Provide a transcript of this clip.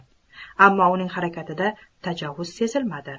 ammo uning harakatida tajovuzsezilmadi